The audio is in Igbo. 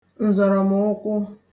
ǹzọ̀rọ̀mụkwụ